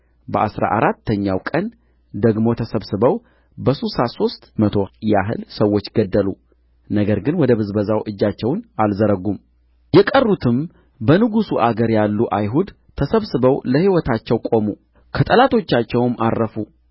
በአሥራ አራተኛው ቀን ደግሞ ተሰብስበው በሱሳ ሦስት መቶ ያህል ሰዎች ገደሉ ነገር ግን ወደ ብዝበዛው እጃቸውን አልዘረጉም የቀሩትም በንጉሡ አገር ያሉ አይሁድ ተሰብስበው ለሕይወታቸው ቆሙ ከጠላቶቻቸውም ዐረፉ